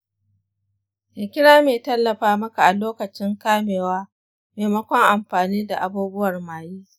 ka kira mai tallafa maka a lokacin kamewa maimakon amfani da abubuwan maye.